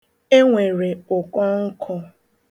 E nwere ụkọ nkụ.